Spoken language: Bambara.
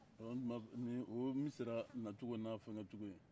ɔ n tun b'a fɛ o ye misira na cogo n'a fɛngɛ cogo ye